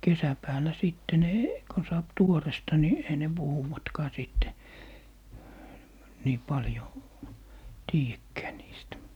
kesäpäällä sitten ne kun saa tuoretta niin ei ne puhuvatkaan sitten niin paljon tiedäkään niistä